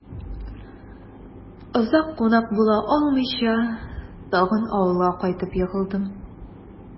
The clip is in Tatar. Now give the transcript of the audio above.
Озак кунак була алмыйча, тагын авылга кайтып егылдым...